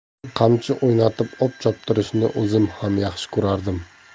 qamchi o'ynatib ot choptirishni o'zim ham yaxshi ko'rardim